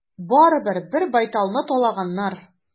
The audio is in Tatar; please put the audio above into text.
Барыбер, бер байталны талаганнар.